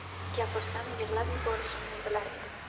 gapirsam yig'lab yuborishimni bilar edim